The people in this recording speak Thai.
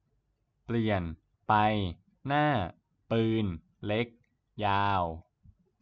เปลี่ยนไปหน้าปืนเล็กยาว